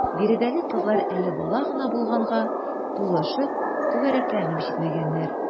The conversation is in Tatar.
Биредәге кызлар әле бала гына булганга, тулышып, түгәрәкләнеп җитмәгәннәр.